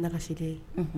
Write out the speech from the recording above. Nanasi tɛ ye